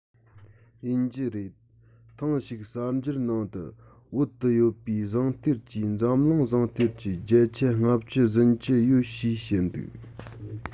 བཤད པ ངོ མ བདེན འདུག ཕོ བྲང པོ ཏ ལ ལྟ བུའི འཛུགས སྐྲུན འཛམ གླིང དུ མཐོང དཀོན པོ རེད